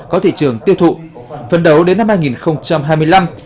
có thị trường tiêu thụ phấn đấu đến năm hai nghìn không trăm hai mươi lăm